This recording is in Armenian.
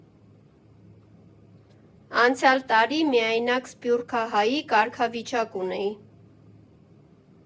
Անցյալ տարի միայնակ սփյուռքահայի կարգավիճակ ունեի։